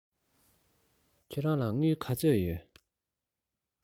ཁྱེད རང ལ དངུལ ག ཚོད ཡོད